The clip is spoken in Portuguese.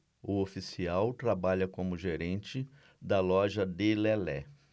o oficial trabalha como gerente da loja de lelé